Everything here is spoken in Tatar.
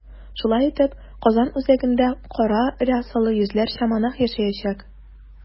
Шулай итеп, Казан үзәгендә кара рясалы йөзләрчә монах яшәячәк.